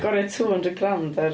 Gwario two hundred grand ar...